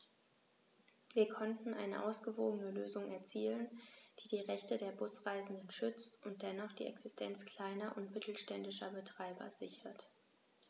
Wir konnten eine ausgewogene Lösung erzielen, die die Rechte der Busreisenden schützt und dennoch die Existenz kleiner und mittelständischer Betreiber sichert.